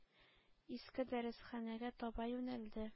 Иске дәресханәгә таба юнәлде.